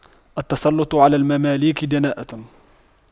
التسلُّطُ على المماليك دناءة